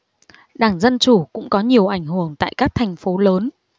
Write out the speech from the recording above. đảng dân chủ cũng có nhiều ảnh hưởng tại các thành phố lớn